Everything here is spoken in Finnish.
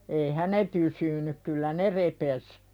eihän ne pysynyt kyllä ne repesi